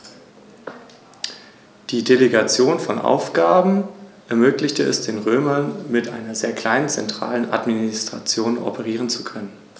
Steinadler sind erst ab dem 5. bis 7. Lebensjahr voll ausgefärbt.